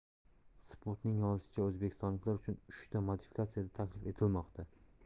spot'ning yozishicha o'zbekistonliklar uchun uchta modifikatsiyada taklif etilmoqda